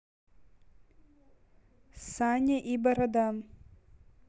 саня и борода